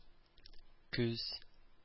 Күз